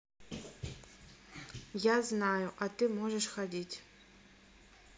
я знаю а ты можешь ходить